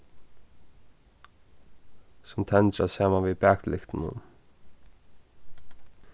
sum tendra saman við baklyktunum